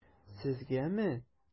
Сезгәме?